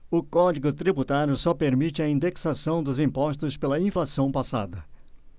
o código tributário só permite a indexação dos impostos pela inflação passada